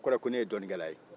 o kɔrɔ ye ko ne ye dɔɔnin kɛla ye